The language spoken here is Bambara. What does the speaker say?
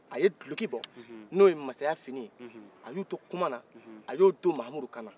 a ye guloki bɔ n'o ye masaya finin ye a y'o to kuma na a y'o don mamudu kana